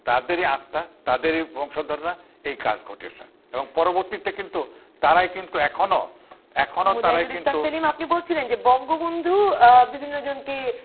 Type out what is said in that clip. তাদেরই আত্মা তাদের বংশধররা এই কাজ ঘটিয়েছে এবং পরবর্তীতে কিন্তু তারাই কিন্তু এখনো এখনো তারাই কিন্তু মুজাহিদুল ইসলাম সেলিম আপনি বলছিলেন বঙ্গবন্ধু বিভিন্ন জনকে